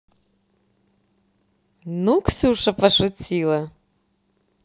ну ксюша пошутила